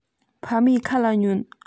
ཕ མའི ཁ ལ ཉོན